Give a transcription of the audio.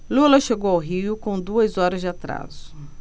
lula chegou ao rio com duas horas de atraso